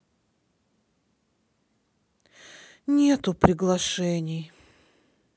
нету приглашений